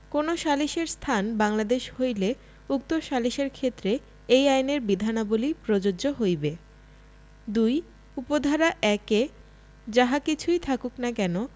কোন সালিসের স্থান বাংলাদেশ হইলে উক্ত সালিসের ক্ষেত্রে এই আইনের বিধানাবলী প্রযোজ্য হইবে ২ উপ ধারা ১ এ যাহা কিচুই থাকুক না কেন